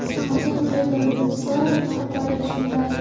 xavfing qaydan bo'lsa xataring shundan